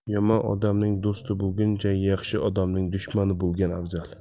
yomon odamning do'sti bo'lguncha yaxshi odamning dushmani bo'lgan afzal